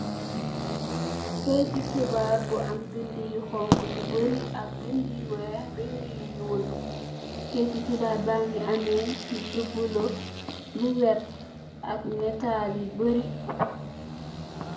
Ketti xibaar bu am bind yu xongo yu barri ak bind yu weex bind yu nuul ketti xibaar bangi amme lo bulu lo wert ak natall yu barri.